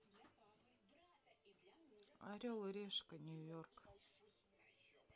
орел и решка нью йорк